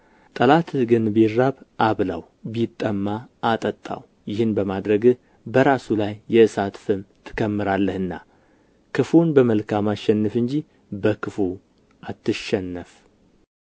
ጠላትህ ግን ቢራብ አብላው ቢጠማ አጠጣው ይህን በማድረግህ በራሱ ላይ የእሳት ፍም ትከምራለህና ክፉውን በመልካም አሸንፍ እንጂ በክፉ አትሸነፍ